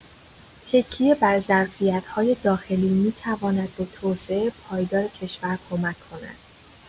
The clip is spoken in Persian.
تکیه بر ظرفیت‌های داخلی می‌تواند به توسعه پایدار کشور کمک کند.